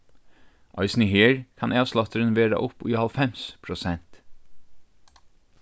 eisini her kann avslátturin vera upp í hálvfems prosent